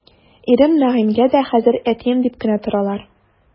Ирем Нәгыймгә дә хәзер әтием дип кенә торалар.